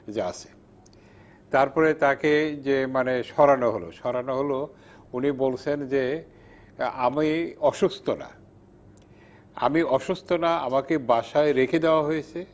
যে আছে তারপরে তাকে যে সরানো হলো সরানো হলো উনি বলছেন যে আমি অসুস্থ না আমি অসুস্থ না আমাকে বাসায় রেখে দেয়া হয়েছে